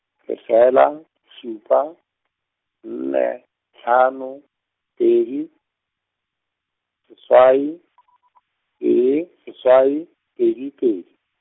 lefela, šupa, nne, hlano, pedi, seswai , tee, seswai, pedi, pedi.